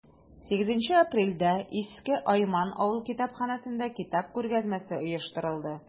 8 апрельдә иске айман авыл китапханәсендә китап күргәзмәсе оештырылды.